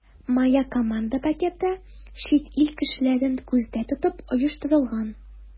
“моя команда” пакеты чит ил кешеләрен күздә тотып оештырылган.